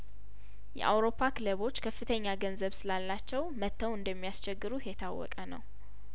የአውሮፓ ክለቦቹ ከፍተኛ ገንዘብ ስላላቸው መተው እንደሚያስቸግሩህ የታወቀ ነው